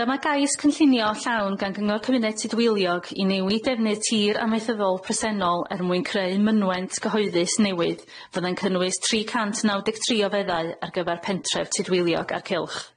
Dyma gais cynllunio llawn gan gyngor cymuned Tudwiliog i newid defnydd tir amaethyddol presennol er mwyn creu mynwent gyhoeddus newydd fyddai'n cynnwys tri cant naw deg tri o feddau ar gyfer pentref Tudwiliog a'r cylch.